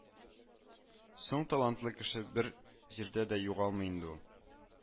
Соң талантлы кеше бер җирдә дә югалмый инде ул